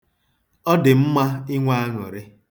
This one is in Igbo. Ọ dị mma inwe anụrị